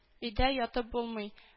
— өйдә ятып булмый